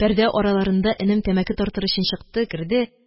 Пәрдә араларында энем тәмәке тартыр өчен чыкты, керде.